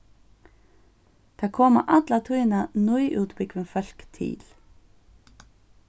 tað koma alla tíðina nýútbúgvin fólk til